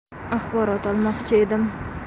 axborot olmoqchi edim